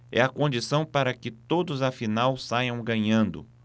é a condição para que todos afinal saiam ganhando